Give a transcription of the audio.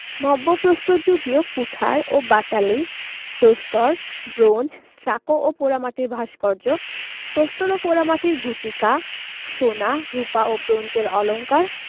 নব্যপ্রস্তরযুগীয় কুঠার ও বাটালি প্রস্তর ব্রোঞ্জ স্টাকো ও পোড়ামাটির ভাস্কর্য প্রস্তর ও পোড়ামাটির গুটিকা সোনা রূপা ও ব্রোঞ্জের অলঙ্কার